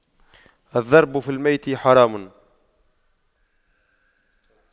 الضرب في الميت حرام